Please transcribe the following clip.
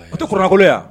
O tɛ kɔrɔkolo yan